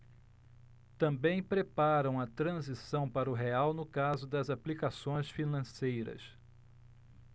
também preparam a transição para o real no caso das aplicações financeiras